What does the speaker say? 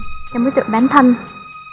trong bức tượng bán thân